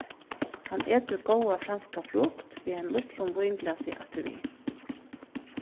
hann etur góða franska frukt við einum lítlum vínglasi afturvið